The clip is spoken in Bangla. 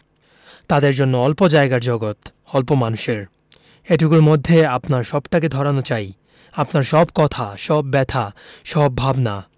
তাদের জন্য অল্প জায়গার জগত অল্প মানুষের এটুকুর মধ্যে আপনার সবটাকে ধরানো চাই আপনার সব কথা সব ব্যাথা সব ভাবনা